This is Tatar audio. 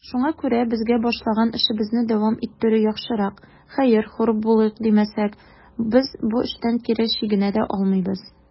Шуңа күрә безгә башлаган эшебезне дәвам иттерү яхшырак; хәер, хур булыйк димәсәк, без бу эштән кире чигенә дә алмыйбыз.